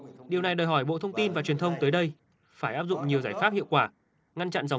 điều này đòi hỏi bộ thông tin và truyền thông tới đây phải áp dụng nhiều giải pháp hiệu quả ngăn chặn dòng